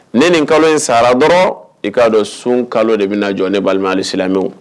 Ne ni kalo in saraɔrɔ i k'a dɔn sun kalo de bɛ jɔ ne balima silamɛ